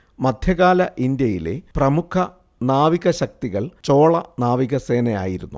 മധ്യകാല ഇന്ത്യയിലെ പ്രമുഖ നാവികശക്തികൾ ചോള നാവികസേനയായിരുന്നു